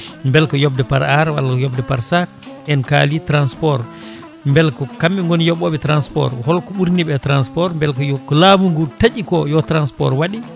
beel ko yobde par are walla ko yobde par sac en kaali transport beel ko kamɓe gooni yoɓoɓe transport holko ɓuraniɓe e transport beel ko yo laamu ngu taaƴi ko yo transport waaɗe